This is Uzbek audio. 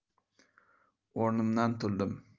o'rnimdan turdim